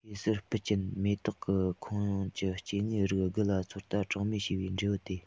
གེ སར སྤུ ཅན མེ ཏོག གི ཁོངས ཀྱི སྐྱེ དངོས རིགས དགུ ལ ཚོད ལྟ གྲངས མེད བྱས པའི འབྲས བུ སྟེ